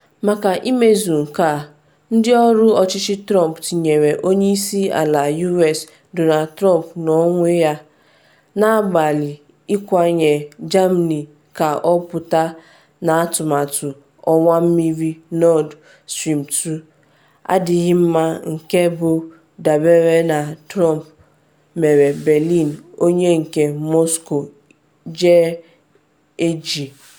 Maka imezu nke a, ndị ọrụ ọchịchị Trump tinyere Onye Isi Ala US Donald Trump n’onwe ya, na-agbalị ịkwanye Germany ka ọ pụta na atụmatụ ọwa mmiri Nord Stream 2 “adịghị mma”, bụ nke dabere na Trump, mere Berlin “onye nke Moscow ji eji.